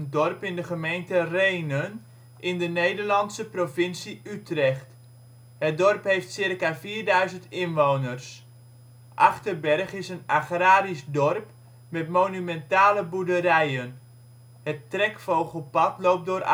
dorp in de gemeente Rhenen, in de Nederlandse provincie Utrecht. Het dorp heeft ca. 4000 inwoners (2007). Achterberg is een agrarisch dorp met monumentale boerderijen. Het Trekvogelpad loopt door Achterberg